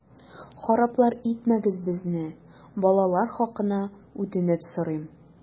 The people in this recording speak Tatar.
Хараплар итмәгез безне, балалар хакына үтенеп сорыйм!